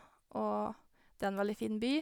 Og det er en veldig fin by.